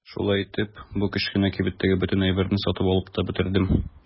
Шулай итеп бу кечкенә кибеттәге бөтен әйберне сатып алып та бетердем.